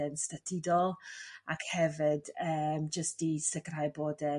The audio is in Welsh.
e'n statudol ac hefyd yym jyst i sicrhau bod e'n yym